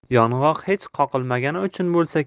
yong'oq hech qoqilmagani uchun bo'lsa